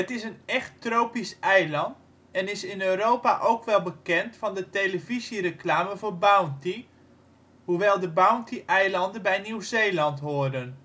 is een echt tropisch eiland en is in Europa ook wel bekend van de televisiereclame voor Bounty (hoewel de Bounty-eilanden bij Nieuw-Zeeland horen